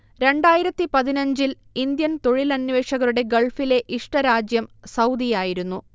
രണ്ടായിരത്തി പതിനഞ്ച് ൽ ഇന്ത്യൻ തൊഴിലന്വേഷകരുടെ ഗൾഫിലെ ഇഷ്ട രാജ്യം സൗദിയായിരുന്നു